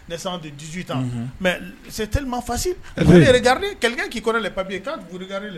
Ne tɛ dusu tan mɛ sema fasirri kɛlɛkɛ k'i kɔrɔ lapi ye ka g la